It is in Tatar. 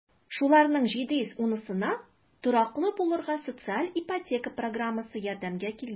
Шуларның 710-сына тораклы булырга социаль ипотека программасы ярдәмгә килгән.